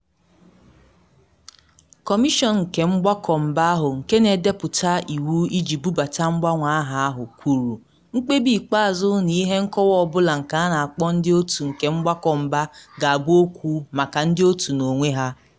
Kọmishọn nke Mgbakọ Mba ahụ, nke na edepụta iwu iji bubata mgbanwe aha ahụ, kwuru: “Mkpebi ikpeazụ na ihe nkọwa ọ bụla nke a na akpọ Ndị Otu nke Mgbakọ Mba ga-abụ okwu maka ndị otu n’onwe ha.”